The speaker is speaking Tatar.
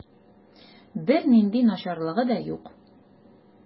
Бернинди начарлыгы да юк.